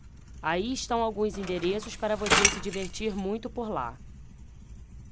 aí estão alguns endereços para você se divertir muito por lá